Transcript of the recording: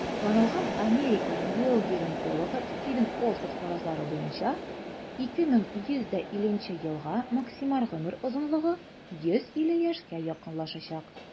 Танылган Америка биогеронтологы Стивен Остад фаразлары буенча, 2150 елга максималь гомер озынлыгы 150 яшькә якынлашачак.